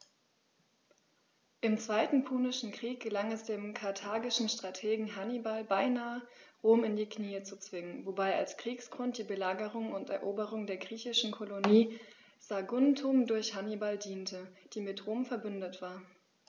Im Zweiten Punischen Krieg gelang es dem karthagischen Strategen Hannibal beinahe, Rom in die Knie zu zwingen, wobei als Kriegsgrund die Belagerung und Eroberung der griechischen Kolonie Saguntum durch Hannibal diente, die mit Rom „verbündet“ war.